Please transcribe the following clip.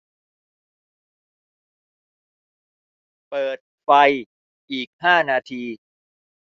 เปิดไฟอีกห้านาที